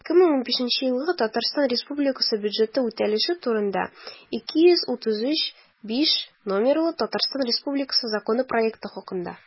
«2015 елгы татарстан республикасы бюджеты үтәлеше турында» 233-5 номерлы татарстан республикасы законы проекты хакында